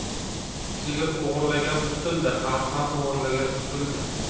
sigir o'g'irlagan qutuldi arqon o'g'irlagan tutildi